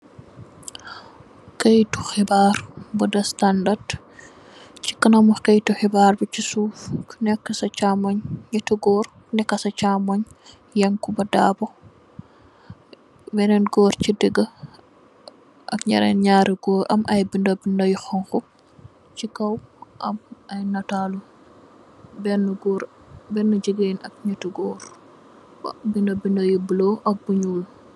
Kayiti xibaar bi do " standard",ci kanamu kayiti xibaar bi si suuf, ku neekë sa chamooy, Si suuf, ñeetu góor, sa chamooy, Yaañkuba Daabo, bénen góor ci diggë, ak ñenen ñaar bindë yu xoñxu, si kow, am ay nataalu, bennë góor, beenë jigéen ak ñeeti Bindë yu bulo ak yu ñuul.